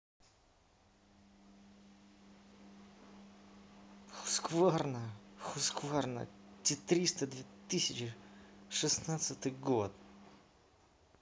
хускварна husqvarna те триста две тысячи шестнадцатый год